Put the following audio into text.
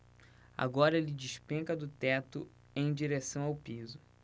agora ele despenca do teto em direção ao piso